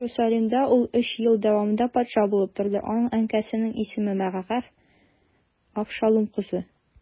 Иерусалимдә ул өч ел дәвамында патша булып торды, аның әнкәсенең исеме Мәгакәһ, Абшалум кызы.